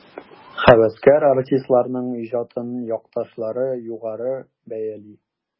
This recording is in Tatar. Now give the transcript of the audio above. Һәвәскәр артистларның иҗатын якташлары югары бәяли.